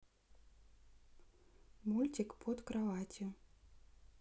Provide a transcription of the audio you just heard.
мультик под кроватью